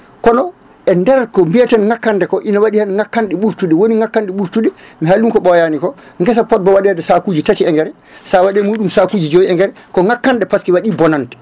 kono e nder ko mbiyeten ngakkande ko ina waɗi hen ngakkanɗe ɓuurtuɗe woni ngakkanɗe ɓuurtuɗe mi haaliɗum ko ɓooyani ko guesa fodba waɗe sakuji tati engrais sa waɗe muɗum sakuji joyyi engrais ko ngakkanɗe par :que ce que waɗi bonande